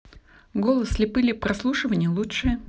голос слепые прослушивания лучшее